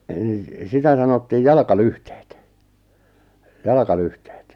- no sitä sanottiin jalkalyhteet jalkalyhteet